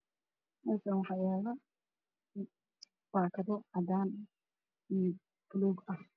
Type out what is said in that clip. Halkan waxyalo bakado cadan io balug